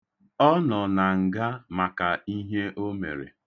Ọ nọ na nga maka ihe o mere.